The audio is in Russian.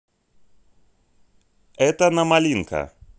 это на малинка